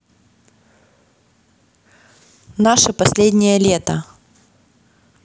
наше последнее лето